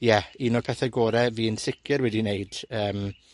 ie, un o'r pethe gore fi yn sicir wedi wneud yym,